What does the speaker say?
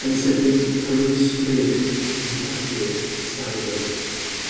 Yn sydyn clywyd sgrech yn tyllu'r distawrwydd.